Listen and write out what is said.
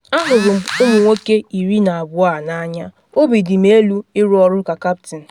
Ahụrụ m ụmụ nwoke 12 a n’anya, obi dị m elu ịrụ ọrụ ka kaptịn.